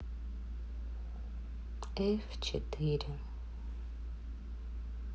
ф четыре